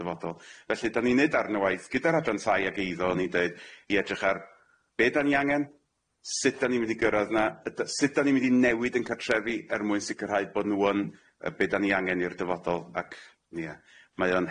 dyfodol felly dan ni'n neud darn o waith gyda'r adran thai ag eiddo o'n i'n deud i edrych ar be' dan ni angen sut dan ni mynd i gyrradd na yd- sut dan ni mynd i newid ein cartrefi er mwyn sicirhau bod nw yn yy be' dan ni angen i'r dyfodol ac ie mae o'n